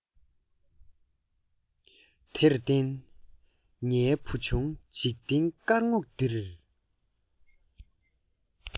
དེར བརྟེན ངའི བུ ཆུང འཇིག རྟེན དཀར ངོགས འདིར